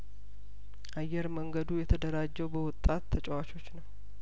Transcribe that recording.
አየር መንገዱ የተደራጀው በወጣት ተጫዋቾች ነው